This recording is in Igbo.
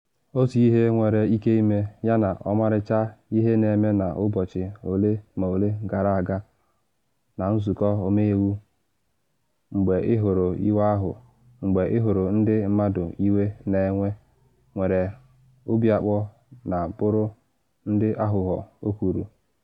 “Otu ihe nwere ike ịme yana ọmarịcha ihe na eme n’ụbọchị ole ma ole gara aga na Nzụkọ Omeiwu, mgbe ị hụrụ iwe ahụ, mgbe ị hụrụ ndị mmadụ iwe na ewe, nwere obi akpọ na bụrụ ndị aghụghọ,” o kwuru.